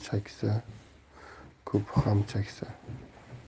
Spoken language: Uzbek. chaksa ko'pi ham chaksa